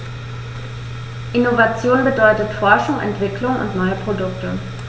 Innovation bedeutet Forschung, Entwicklung und neue Produkte.